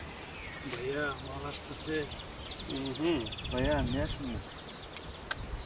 ভাইয়া মাল আসতেছে উহু ভাইয়া নিয়ে আসমু